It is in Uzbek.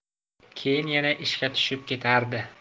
keyin yana ishga tushib ketardi